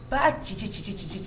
Ba ci ci ci ci ten